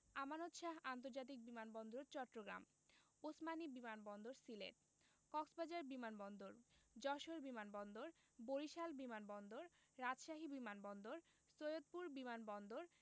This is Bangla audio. আমানত শাহ্ আন্তর্জাতিক বিমান বন্দর চট্টগ্রাম ওসমানী বিমান বন্দর সিলেট কক্সবাজার বিমান বন্দর যশোর বিমান বন্দর বরিশাল বিমান বন্দর রাজশাহী বিমান বন্দর সৈয়দপুর বিমান বন্দর